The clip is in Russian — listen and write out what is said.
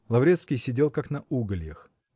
Лаврецкий сидел как на угольях.